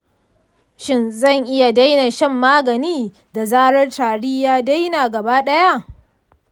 shin zan iya daina shan magani da zarar tari ya daina gaba ɗaya?